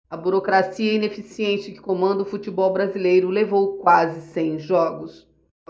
a burocracia ineficiente que comanda o futebol brasileiro levou quase cem jogos